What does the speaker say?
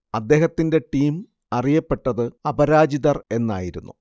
അദ്ദേഹത്തിന്റെ ടീം അറിയപ്പെട്ടത് അപരാജിതർ എന്നായിരുന്നു